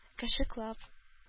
Кашыклап